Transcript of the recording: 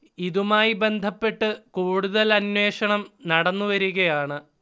ഇതുമായി ബന്ധപ്പെട്ട് കൂടുതൽ അന്വഷണം നടന്ന് വരുകയാണ്